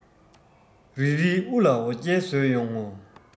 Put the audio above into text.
རིལ རིལ དབུ ལ འོ རྒྱལ བཟོས ཡོང ངོ